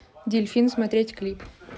дельфин смотреть клип